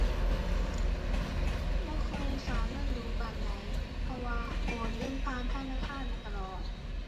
บ่ค่อยฝากเงินดู๋ปานใด เพราะว่าโอนเงินผ่านธนาคารตลอด